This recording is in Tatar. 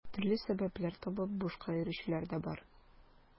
Төрле сәбәпләр табып бушка йөрүчеләр дә бар.